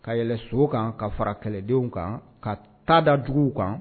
Ka yɛlɛso kan ka fara kɛlɛdenw kan ka ta da dugu kan